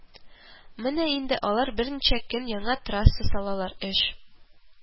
Менә инде алар берничә көн яңа трасса салалар, эш